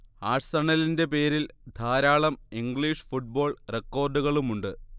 ആഴ്സണലിന്റെ പേരിൽ ധാരാളം English football റെക്കോർഡുകളുമുണ്ട്